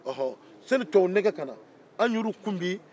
yanni tubabu nɛgɛ ka na an yɛrɛw tun bɛ